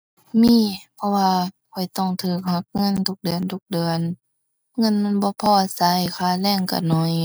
มี เพราะว่าข้อยต้องถูกหักเงินทุกเดือนทุกเดือน เงินมันบ่พอถูก ค่าแรงถูกน้อย